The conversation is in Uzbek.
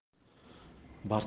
barkamol avlod